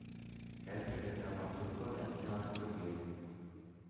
Хәзерге драматургларда мин аны күрмим.